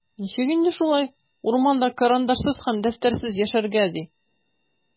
Ничек инде шулай, урманда карандашсыз һәм дәфтәрсез яшәргә, ди?!